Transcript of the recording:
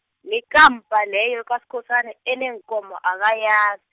nekampa leyo kaSkhosana, eneenkomo akaya-.